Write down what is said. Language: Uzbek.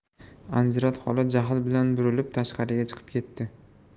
anzirat xola jahl bilan burilib tashqariga chiqib ketdi